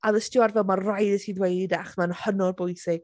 A oedd y stiward fel "ma' rhaid i ti ddweud e achos mae'n hynod bwysig".